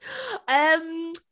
Yym.